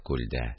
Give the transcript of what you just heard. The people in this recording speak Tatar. Чүлдә